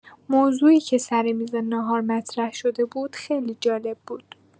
موضوعی که سر میز ناهار مطرح‌شده بود، خیلی جالب بود.